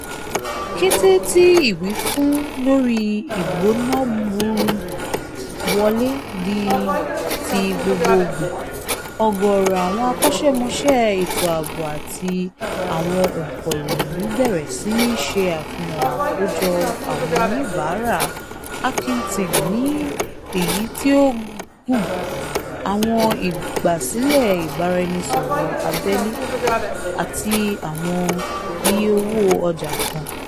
Kété tí ìwífún lórí ìgbọ̀nàbùrú wọlé di ti gbogbogbò, ọ̀gọ̀ọ̀rọ̀ àwọn akọ́ṣẹ́mọṣẹ́ ètò ààbò àti àwọn ọ̀ǹkọ̀ròyìn bẹ̀rẹ̀ sí ní ṣe àfihàn àkójọ àwọn oníbàárà Hacking Team ní èyí tí ó gùn, àwọn ìgbàsílẹ̀ ìbáraẹnisọ̀rọ̀ abẹ́lé, àti àwọn iye owó ọjà kan.